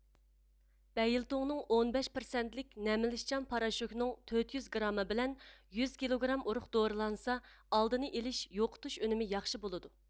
بەيلتوڭنىڭ ئون بەش پىرسەنتلىك نەملىنىشچان پاراشوكنىڭ تۆت يۈز گرامى بىلەن يۈز كىلوگرام ئۇرۇق دورىلانسا ئالدىنى ئېلىش يوقىتىش ئۈنۈمى ياخشى بولىدۇ